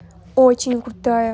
очень крутая